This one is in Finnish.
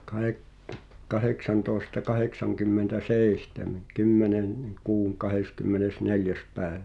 - kahdeksantoista kahdeksankymmentäseitsemän - kymmenennen kuun kahdeskymmenesneljäs päivä